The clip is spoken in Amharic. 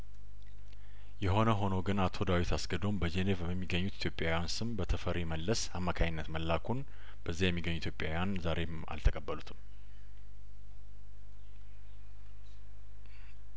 የሆነ ሆኖ ግን አቶ ዳዊት አስገዶም በጄኔቭ በሚገኙት ኢትዮጵያዊያን ስም በተፈሪ መለስ አማካኝነት መላኩን በዚያ የሚገኙ ኢትዮጵያዊያን ዛሬም አልተቀበሉትም